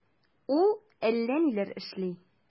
Ул әллә ниләр эшли...